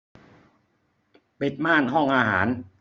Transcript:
ปิดม่านห้องอาหาร